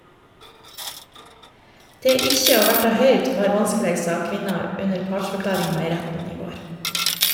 Det ikkje å verta høyrd var vanskeleg, sa kvinna under partsforklaringa i retten i går.